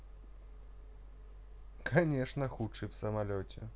конечно худший самолете